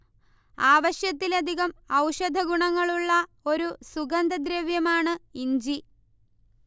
ആവശ്യത്തിലധികം ഔഷധഗുണങ്ങൾ ഉള്ള ഒരു സുഗന്ധദ്രവ്യമാണ് ഇഞ്ചി